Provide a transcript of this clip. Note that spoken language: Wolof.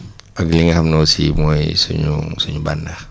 ak li nga xam ne aussi mooy suñu suñu bànneex